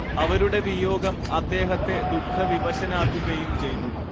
അവരുടെ വിയോഗം അദ്ദേഹത്തെ ദുഃഖവിവശനാക്കുകയും ചെയ്തു